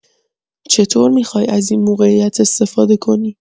چطور می‌خوای از این موقعیت استفاده کنی؟